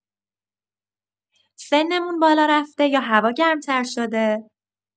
سن‌مون بالا رفته یا هوا گرم‌تر شده؟